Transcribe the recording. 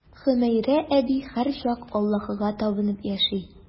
Хөмәйрә әби һәрчак Аллаһыга табынып яши.